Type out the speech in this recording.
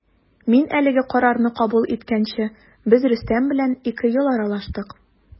Мин әлеге карарны кабул иткәнче без Рөстәм белән ике ел аралаштык.